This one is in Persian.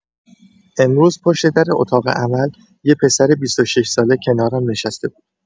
امروز پشت در اتاق عمل یه پسر ۲۶ ساله کنارم نشسته بود.